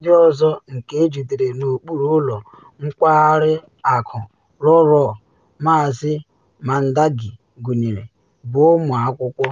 Ndị ọzọ nke ejidere n’okpuru Ụlọ Nkwari Akụ Roa Roa, Maazị Mandagi gụnyere, bụ ụmụ akwụkwọ.